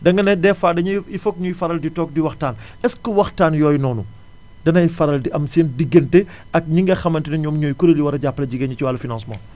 danga ne dès fois dañuy il faut que ñuy faral di toog di waxtaan est ce que waxtaan yooyu noonu danay faral di am seen diggante ak ñi nga xamante ne ñoom ñooy kuréel yi war a jàppale jigéen ñi ci wàllu financement